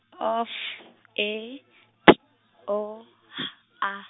O F E P O H A.